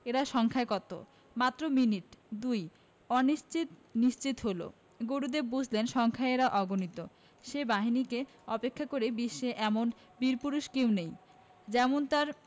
এরা সংখ্যায় কত মাত্র মিনিট দুই অনিশ্চিত নিশ্চিত হলো গুরুদেব বুঝলেন সংখ্যায় এরা অগণিত সে বাহিনীকে উপেক্ষা করে বিশ্বে এমন বীরপুরুষ কেউ নেই যেমন তার